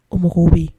O mɔgɔw be yen